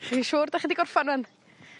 Chi'n siŵr 'dach chi 'di gorffan 'wan ?